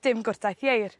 dim gwrtaith ieir